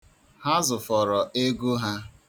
Ha zụfọrọ ego ha.